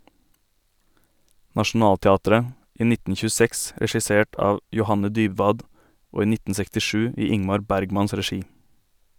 Nationaltheatret, i 1926 regissert av Johanne Dybwad og i 1967 i Ingmar Bergmans regi.